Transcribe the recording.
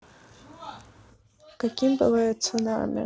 каким бывает цунами